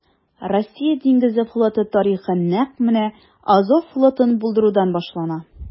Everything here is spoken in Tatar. Россия диңгез флоты тарихы нәкъ менә Азов флотын булдырудан башлана.